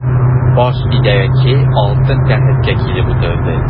Баш идарәче алтын тәхеткә килеп утырды.